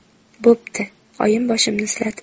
bo'pti oyim boshimni siladi